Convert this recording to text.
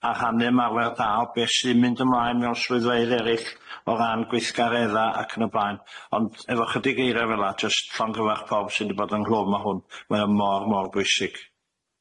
A rhannu'r mawr da o be' sy'n mynd ymlaen mewn swyddfeydd errll o ran gweithgaredda ac yn y blaen ond efo chydig eira fela jyst llongyfarch pob sy'n 'di bod ynghlwm â hwn mae o mor mor bwysig.